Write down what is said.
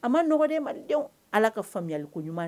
A ma dɔgɔden madenw ala ka faamuyayaliko ɲuman